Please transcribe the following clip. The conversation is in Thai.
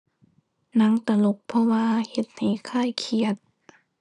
หนังตลก เพราะว่าเฮ็ดให้คลายเครียด